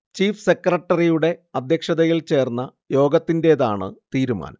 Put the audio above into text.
chief സെക്രട്ടറിയുടെ അധ്യക്ഷതയിൽ ചേർന്ന യോഗത്തിന്റെതാണ് തീരുമാനം